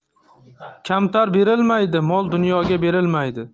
kamtar kerilmaydi mol dunyoga berilmaydi